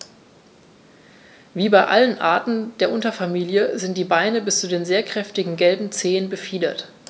Wie bei allen Arten der Unterfamilie sind die Beine bis zu den sehr kräftigen gelben Zehen befiedert.